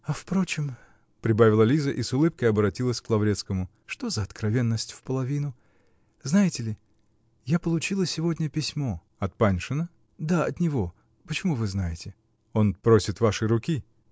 А впрочем, -- прибавила Лиза и с улыбкой оборотилась к Лаврецкому, -- что за откровенность вполовину? Знаете ли? я получила сегодня письмо. -- От Паншина? -- Да, от него. Почему вы знаете? -- Он просит вашей руки?